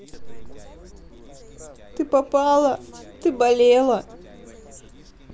ты попала ты болела